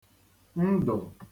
ndụ̀